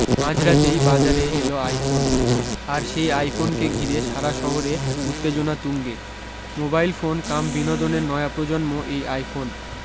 মাঝ রাতেই বাজারে এল আই ফোন আর সেই আই ফোনকে ঘিরে সারা শহরে উত্তেজনা তুঙ্গে মোবাইল ফোন কাম বিনোদনের নয়া প্রজন্ম এই আই ফোন